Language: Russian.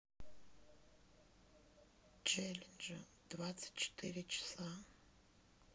челленджи двадцать четыре часа